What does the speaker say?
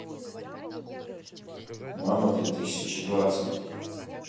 маме две тысячи двадцать